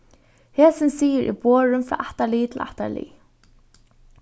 hesin siður er borin frá ættarliði til ættarlið